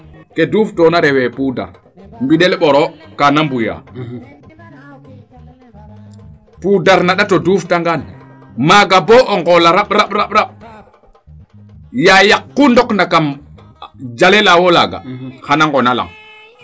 ke duuf toona refe poudre mbindel ɓoro kaana ruyaa poudre na ndat o duuf ta ngaan maaga bo o ngool a ramb ramb yaa yaq kuu ndoq na kam jale laawo naaga xana ngona laŋ